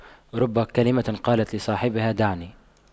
رب كلمة قالت لصاحبها دعني